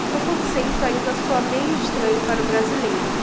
o conceito ainda soa meio estranho para o brasileiro